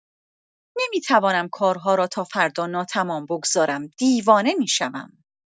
نمی‌توانم کارها را تا فردا ناتمام بگذارم؛ دیوانه می‌شوم!